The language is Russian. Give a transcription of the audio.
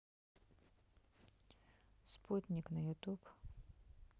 спутник на ютуб